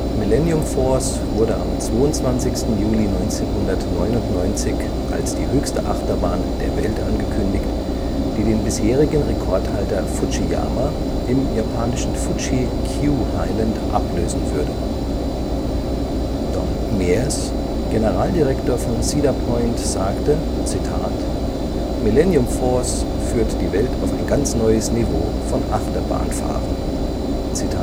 Millennium Force wurde am 22. Juli 1999 als die höchste Achterbahn der Welt angekündigt, die den bisherigen Rekordhalter Fujiyama im japanischen Fuji-Q Highland ablösen würde. Don Miears, Generaldirektor von Cedar Point, sagte: „ Millennium Force führt die Welt auf ein ganz neues Niveau von Achterbahnfahren “. Die